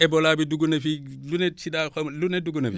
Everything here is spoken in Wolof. Ebola bi dugg na fii lu ne Sida xaw ma lu ne dugg na fi